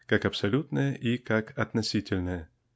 как абсолютное и как относительное.